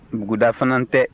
buguda fana tɛ